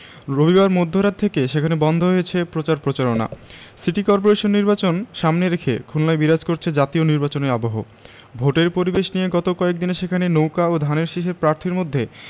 রবিবার মধ্যরাত থেকে সেখানে বন্ধ হয়েছে প্রচার প্রচারণা সিটি করপোরেশন নির্বাচন সামনে রেখে খুলনায় বিরাজ করছে জাতীয় নির্বাচনের আবহ ভোটের পরিবেশ নিয়ে গত কয়েক দিনে সেখানে নৌকা ও ধানের শীষের প্রার্থীর মধ্যে